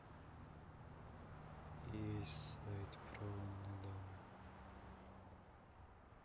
есть сайт про умный дом